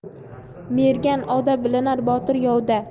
mergan ovda bilinar botir yovda